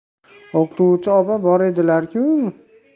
o'qituvchi opa bor edilar ku